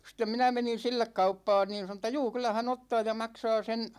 sitten minä menin sille kauppaan niin sanoi että juu kyllä hän ottaa ja maksaa sen